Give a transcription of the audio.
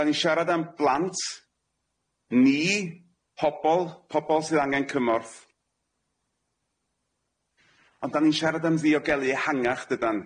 'Dan ni'n sharad am blant, ni, pobol pobol sydd angen cymorth ond 'dan ni'n siarad am ddiogelu ehangach dydan?